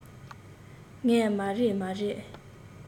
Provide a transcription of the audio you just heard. ངས མ རེད མ རེད